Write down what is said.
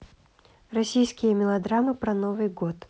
российские мелодрамы про новый год